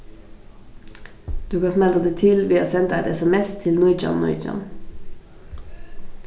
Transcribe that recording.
tú kanst melda teg til við at senda eitt sms til nítjan nítjan